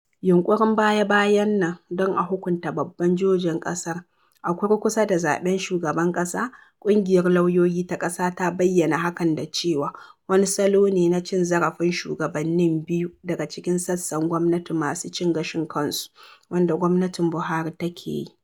Yunƙurin baya-bayan nan don a hukunta babban jojin ƙasar - a kurkusa da zaɓen shugaban ƙasa - ƙungiyar lauyoyi ta ƙasa ta bayyana hakan da cewa "wani salo ne na cin zarafin shugabannin biyu daga cikin sassan gwamnati masu cin gashin kansu" wanda gwamnatin Buharin take yi.